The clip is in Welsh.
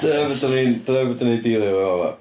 Dyna be dan ni'n dyna be dan ni'n dilio efo fa'ma.